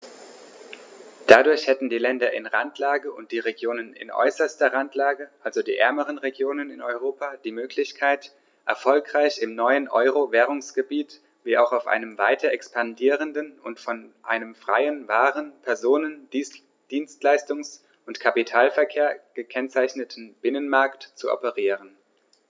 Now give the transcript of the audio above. Dadurch hätten die Länder in Randlage und die Regionen in äußerster Randlage, also die ärmeren Regionen in Europa, die Möglichkeit, erfolgreich im neuen Euro-Währungsgebiet wie auch auf einem weiter expandierenden und von einem freien Waren-, Personen-, Dienstleistungs- und Kapitalverkehr gekennzeichneten Binnenmarkt zu operieren.